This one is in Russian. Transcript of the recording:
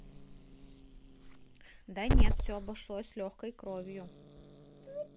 да нет все обошлось с легкой кровью